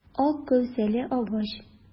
Ак кәүсәле агач.